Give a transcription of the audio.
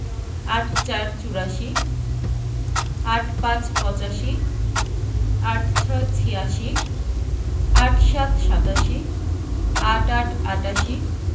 ৮৪ চুরাশি ৮৫ পঁচাশি ৮৬ ছিয়াশি ৮৭ সাতাশি ৮৮ আটাশি